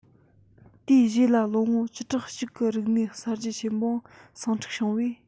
དེའི རྗེས ལ ལོ ངོ བཅུ ཕྲག གཅིག གི རིག གནས གསར བརྗེ ཆེན པོའི ཟིང འཁྲུག བྱུང བས